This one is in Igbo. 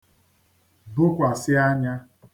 bokwàsị ẹnyā